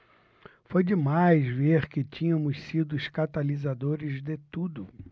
foi demais ver que tínhamos sido os catalisadores de tudo